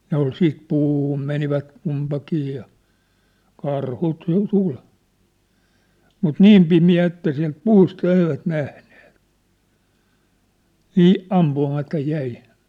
ne oli sitten puhunut menivät kumpikin ja karhu - tuli mutta niin pimeä että sieltä puusta eivät nähneet niin ampumatta jäi